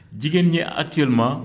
jigéen ñi actuellement